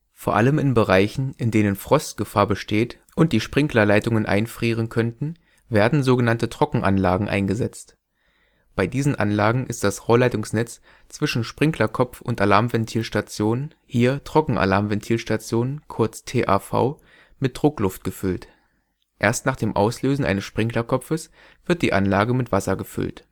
Vor allem in Bereichen, in denen Frostgefahr besteht und die Sprinklerleitungen einfrieren könnten, werden sogenannte Trockenanlagen eingesetzt. Bei diesen Anlagen ist das Rohrleitungsnetz zwischen Sprinklerkopf und Alarmventilstation (hier: „ Trockenalarmventilstation “, kurz TAV) mit Druckluft gefüllt. Erst nach dem Auslösen eines Sprinklerkopfes wird die Anlage mit Wasser gefüllt